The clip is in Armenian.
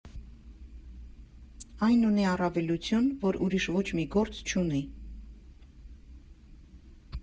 Այն ունի առավելություն, որ ուրիշ ոչ մի գործ չունի.